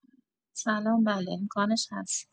سلام بله امکانش هست.